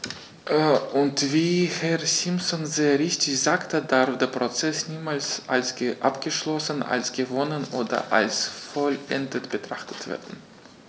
Und wie Herr Simpson sehr richtig sagte, darf der Prozess niemals als abgeschlossen, als gewonnen oder als vollendet betrachtet werden.